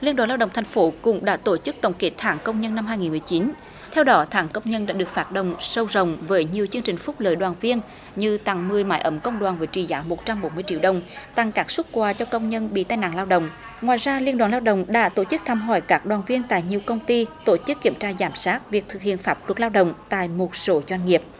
liên đoàn lao động thành phố cũng đã tổ chức tổng kết tháng công nhân năm hai nghìn mười chín theo đó tháng công nhân đã được phát động sâu rộng với nhiều chương trình phúc lợi đoàn viên như tặng mười mái ấm công đoàn với trị giá một trăm bốn mươi triệu đồng tặng các suất quà cho công nhân bị tai nạn lao động ngoài ra liên đoàn lao động đã tổ chức thăm hỏi các đoàn viên tại nhiều công ty tổ chức kiểm tra giám sát việc thực hiện pháp luật lao động tại một số doanh nghiệp